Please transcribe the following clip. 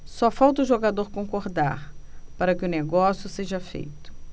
só falta o jogador concordar para que o negócio seja feito